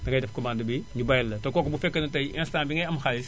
dangay def commande bi ñu bàyyal late kooku bu fekkee ne tay instant bi ngay a xaalis